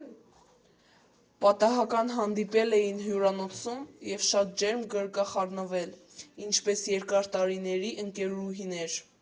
Պատահական հանդիպել էին հյուրանոցում և շատ ջերմ գրկախառնվել, ինչպես երկար տարիների ընկերուհիներ։